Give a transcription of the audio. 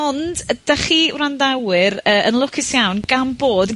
Ond yy 'dach chi, wrandawyr, yy yn lwcus iawn gan bod...